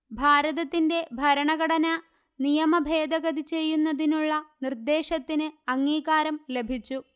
ഭാരതത്തിന്റെ ഭരണഘടനാ നിയമ ഭേദഗതി ചെയ്യുന്നതിനുള്ള നിർദ്ദേശത്തിന് അംഗീകാരം ലഭിച്ചു